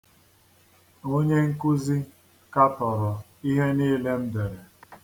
Onye nkuzi katọrọ ihe niile m dere.̣